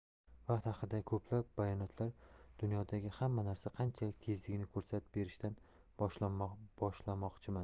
vaqt haqidagi ko'plab bayonotlar dunyodagi hamma narsa qanchalik tezligini ko'rsatib berishidan boshlamoqchiman